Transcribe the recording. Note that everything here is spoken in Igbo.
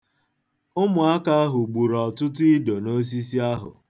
̣Ụmụaka ahụ gburu ọtụtụ ido n'osisi ahụ.